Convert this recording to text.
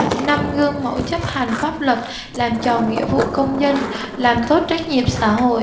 năm gương mẫu chấp hành pháp luật làm tròn nghĩa vụ công dân làm tốt trách nhiệm xã hội